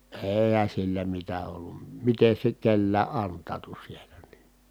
eihän sillä mitä ollut miten se nyt kenelläkin antautui siellä niin niin